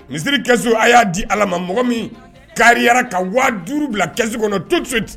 Misiri caisse a y'a di Ala ma mɔgɔ min kariya ka 5000 bila caisse kɔnɔ tout de suite